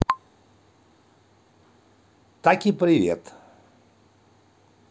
таки привет